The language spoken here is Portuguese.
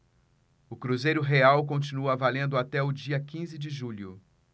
o cruzeiro real continua valendo até o dia quinze de julho